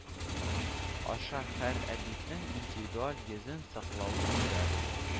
Аша һәр әдипнең индивидуаль йөзен саклавын күрәбез